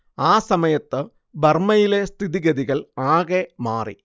ആ സമയത്ത് ബർമ്മയിലെ സ്ഥിതിഗതികൾ ആകെ മാറി